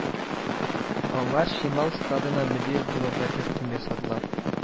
Аңар чимал складына мөдир булырга тәкъдим ясадылар